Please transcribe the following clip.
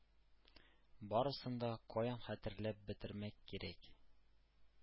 Барысын да каян хәтерләп бетермәк кирәк.